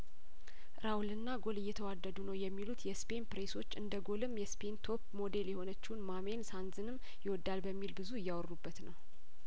ራውልና ጐል እየተዋደዱ ነው የሚሉት የስፔን ፕሬሶች እንደጐልም የስፔን ቶፕ ሞዴል የሆነችውን ማሜን ሳንዝንም ይወዳል በሚል ብዙ እያወሩበት ነው